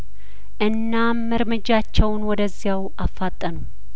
እናም እርምጃቸውን ወደዚያው አፋጠኑ